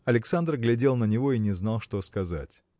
Александр глядел на него и не знал, что сказать.